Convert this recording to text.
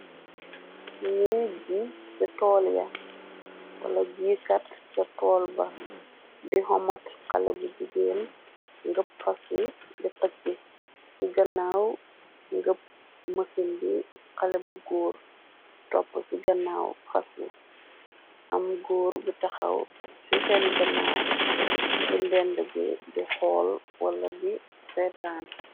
nee ji ci toolya wala jiikat ca tool ba di xomat xalé bu jigeen ngëpp xaswi di tëkki ci gannaaw ngëpp mësin bi xale bu góor topp ci gannaaw xaswi am góur bu taxaw ci seen gannaaw ci ndend gi di xool wala di setaan